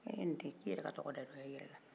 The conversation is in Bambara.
eh n den k'i yɛrɛ ka tɔgɔ da dɔ dɔ d'i yɛrɛ la